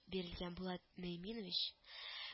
Бирелгән булат мөэминович